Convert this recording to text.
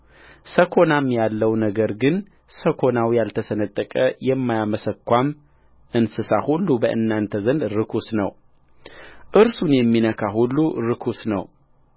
ሰኮናም ያለው ነገር ግን ሰኮናው ያልተሰነጠቀ የማያመሰኳም እንሰሳ ሁሉ በእናንተ ዘንድ ርኩስ ነው እርሱን የሚነካ ሁሉ ርኩስ ነው